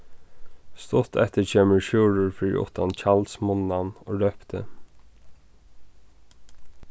stutt eftir kemur sjúrður fyri uttan tjaldsmunnan og rópti